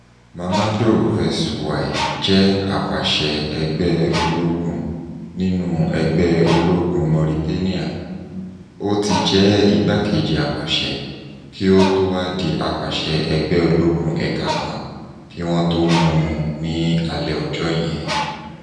Mamadou Sy jẹ́ apàṣẹ ẹgbẹ́-ológun nínú ẹgbẹ́ ológun Mauritania, ó ti jẹ́ igbákejì apàṣẹ, kí ó tó wá di apàṣẹ ẹgbẹ́ ológun ẹ̀ka kan kí wọ́n tó mú un ní alẹ́ ọjọ́ yẹn.